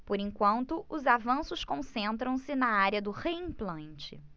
por enquanto os avanços concentram-se na área do reimplante